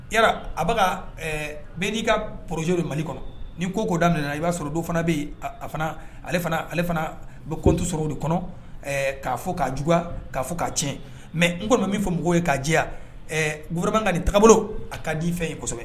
Yala a baga mɛ n'i ka pororozyo mali kɔnɔ n'i ko ko da i b'a sɔrɔ don fana bɛ ale fana bɛtu sɔrɔ de kɔnɔ'a fɔ k' ju'a fɔ k'a tiɲɛ mɛ n kɔni bɛ min fɔ mɔgɔw ye k'a diyaya borokan nin taabolo a ka di fɛn ye kosɛbɛ